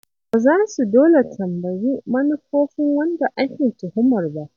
Ba za su dole tambayi manufofin wanda ake tuhumar ba.